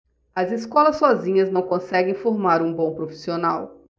as escolas sozinhas não conseguem formar um bom profissional